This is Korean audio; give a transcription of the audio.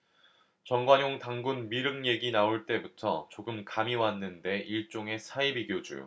정관용 단군 미륵 얘기 나올 때부터 조금 감이 왔는데 일종의 사이비교주